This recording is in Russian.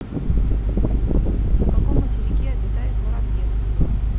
на каком материке обитает муравьед